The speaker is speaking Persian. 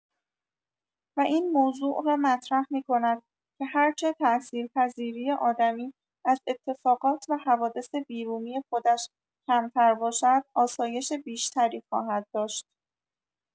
و این موضوع را مطرح می‌کند که هرچه تاثیرپذیری آدمی از اتفاقات و حوادث بیرونی خودش کمتر باشد، آسایش بیشتری خواهد داشت.